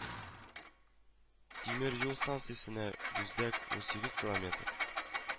Тимер юл станциясенә бүздәк : ун сигез километр